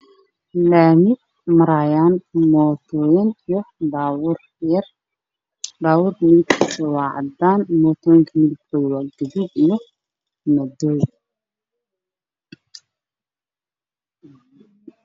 Waa waddo laami ah oo ay marayaan baabuur iyo bajaajyo koonfur galno caddaan